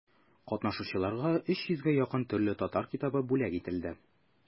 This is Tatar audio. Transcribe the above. Катнашучыларга өч йөзгә якын төрле татар китабы бүләк ителде.